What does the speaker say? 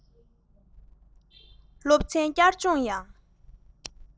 སློབ ཚན བསྐྱར སྦྱོང ཡང